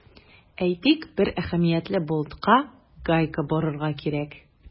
Әйтик, бер әһәмиятле болтка гайка борырга кирәк.